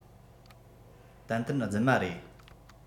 ཏན ཏན རྫུན མ རེད